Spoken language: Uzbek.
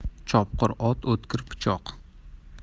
chopqir ot o'tkir pichoq